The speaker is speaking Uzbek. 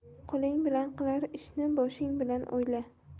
qo'ling bilan qilar ishni boshing bilan o'yla